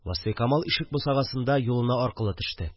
Васфикамал ишек бусагасында юлына аркылы төште